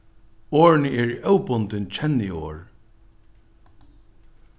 orðini eru óbundin kenniorð